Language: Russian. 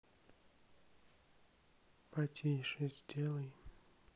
потише сделай